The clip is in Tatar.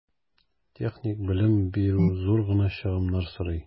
Техник белем бирү зур гына чыгымнар сорый.